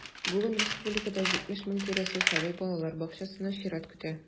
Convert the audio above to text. Бүген республикада 70 мең тирәсе сабый балалар бакчасына чират көтә.